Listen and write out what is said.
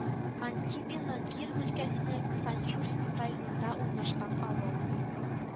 Антипино Киров өлкәсенең Санчурск районында урнашкан авыл